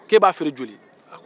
ko e b'a feere joli